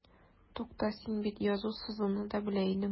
Тукта, син бит язу-сызуны да белә идең.